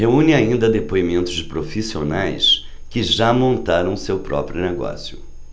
reúne ainda depoimentos de profissionais que já montaram seu próprio negócio